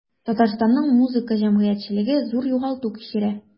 Татарстанның музыка җәмәгатьчелеге зур югалту кичерә.